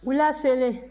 wula selen